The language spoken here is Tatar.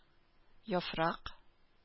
Яфрак